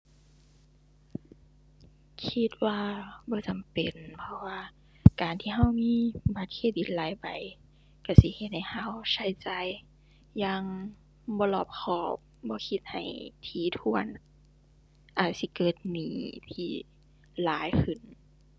คิดว่าบ่จำเป็น เพราะว่าการที่เรามีบัตรเครดิตหลายใบเราสิเฮ็ดให้เราใช้จ่ายอย่างบ่รอบคอบ บ่คิดให้ถี่ถ้วน อาจสิเกิดหนี้ที่หลายขึ้น